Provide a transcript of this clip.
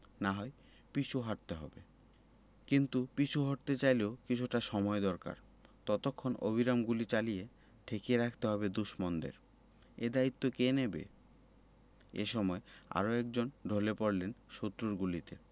না হয় পিছু হটতে হবে কিন্তু পিছু হটতে চাইলেও কিছুটা সময় দরকার ততক্ষণ অবিরাম গুলি চালিয়ে ঠেকিয়ে রাখতে হবে দুশমনদের এ দায়িত্ব কে নেবে এ সময় আরও একজন ঢলে পড়লেন শত্রুর গুলিতে